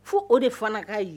Fo o de fana kaa ye